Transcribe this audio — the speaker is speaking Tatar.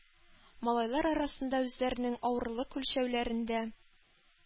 Малайлар арасында үзләренең авырлык үлчәүләрендә